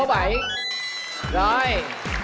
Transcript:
số bảy rồi